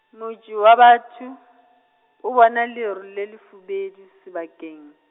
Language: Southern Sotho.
Moji wa batho, a bona leru le lefubedu sebakeng.